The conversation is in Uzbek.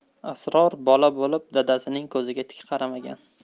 asror bola bo'lib dadasining ko'ziga tik qaramagan